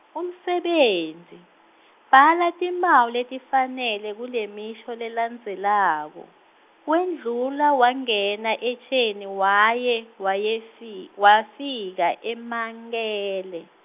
umsebenti, bhala timphawu letifanele kulemisho lelandzelako, wendlula wangena etjeni waye, waye fi- wefika emankele.